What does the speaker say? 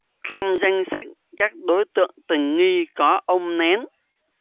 trong danh sách các đối tượng tình nghi có ông nén